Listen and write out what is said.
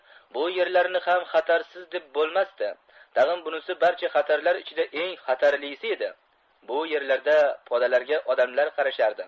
bu yerlarni ham xatarsiz deb bo'lmasdi tag'in bunisi barcha xatarlar ichida eng xatarlisi edi bu yerlarda podalarga odamlar qarashardi